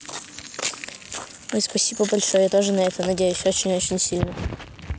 ой спасибо большое я тоже на это надеюсь очень очень сильно